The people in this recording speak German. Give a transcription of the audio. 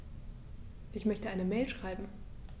Ich möchte eine Mail schreiben.